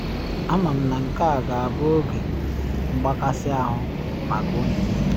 Ama m na nke a ga-abụ oge mgbakasị ahụ maka unu niille.